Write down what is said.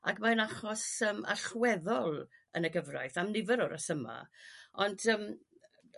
Ac mae'n achos ym allweddol yn y gyfraith am nifer o resyma' ond yrm.